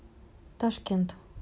ташкент